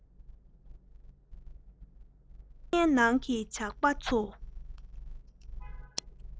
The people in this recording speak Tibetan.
གློག བརྙན ནང གི ཇག པ ཚོ